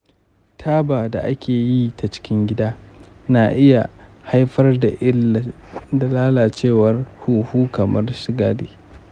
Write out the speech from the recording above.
taba da ake yin ta cikin gida na iya haifar da irin lalacewar huhu kamar sigari.